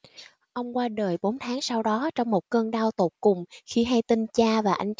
ông qua đời bốn tháng sau đó trong một cơn đau tột cùng khi hay tin cha và anh